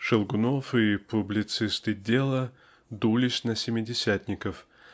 Шелгунов и публицисты "Дела" дулись на "семидесятников"